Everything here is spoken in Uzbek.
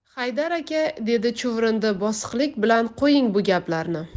haydar aka dedi chuvrindi bosiqlik bilan qo'ying bu gaplarni